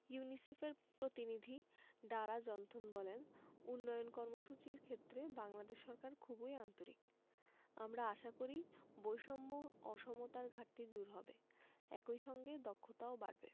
ইউনিসেফের প্রতিনিধি Dara Jonathan বলেন উন্নয়ন কর্মসূচির ক্ষেত্রে বাংলাদেশ সরকার খুবই আন্তরিক আমরা আশা করি বৈষম্য অসমতার ঘাটতি দূর হবে একই সঙ্গে দক্ষতাও বাড়বে